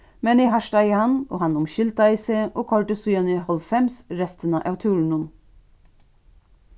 men eg hartaði hann og hann umskyldaði seg og koyrdi síðan hálvfems restina av túrinum